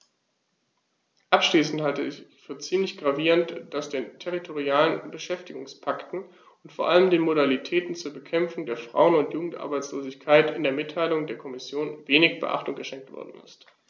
Abschließend halte ich es für ziemlich gravierend, dass den territorialen Beschäftigungspakten und vor allem den Modalitäten zur Bekämpfung der Frauen- und Jugendarbeitslosigkeit in der Mitteilung der Kommission wenig Beachtung geschenkt worden ist.